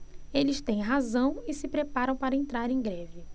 eles têm razão e se preparam para entrar em greve